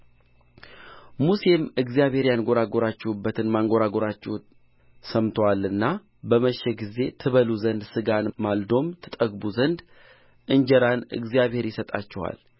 ሙሴም እግዚአብሔር ያንጐራጐራችሁበትን ማንጐራጐራችሁን ሰምቶአልና በመሸ ጊዜ ትበሉ ዘንድ ሥጋን ማልዶም ትጠግቡ ዘንድ እንጀራን እግዚአብሔር ይሰጣችኋል